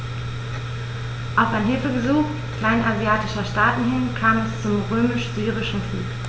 Auf ein Hilfegesuch kleinasiatischer Staaten hin kam es zum Römisch-Syrischen Krieg.